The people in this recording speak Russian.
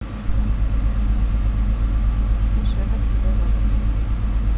слушай а как тебя зовут